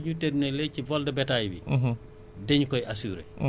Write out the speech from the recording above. vraiment daañu ko defal li mu soxla ci anam yu mu waree